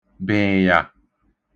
bị̀ị̀yà